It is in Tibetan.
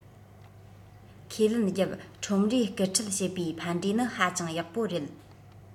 ཁས ལེན རྒྱབ ཁྲོམ རའི སྐུལ ཁྲིད བྱེད པའི ཕན འབྲས ནི ཧ ཅང ཡག པོ རེད